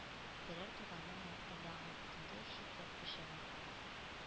Берәр туганымы, әллә аңа бөтенләй чит-ят кешеме?